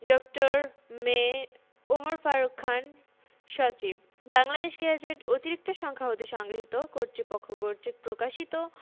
ড. মে. ওমর ফারুক খান সচিব বাংলাদেশ গেজেট অতিরিক্ত সংখ্যা হতে সংগৃহীত কতৃপক্ষ কর্তৃক প্রকাশিত